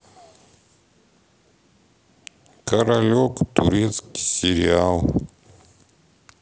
королек турецкий сериал